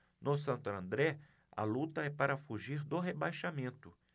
no santo andré a luta é para fugir do rebaixamento